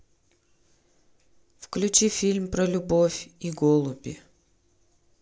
включи фильм любовь и голуби